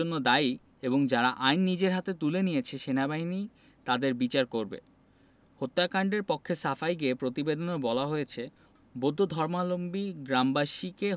পোস্টে আরো বলা হয় যারা এসব হত্যার জন্য দায়ী এবং যারা আইন নিজের হাতে তুলে নিয়েছে সেনাবাহিনী তাদের বিচার করবে হত্যাকাণ্ডের পক্ষে সাফাই গেয়ে প্রতিবেদনে বলা হয়েছে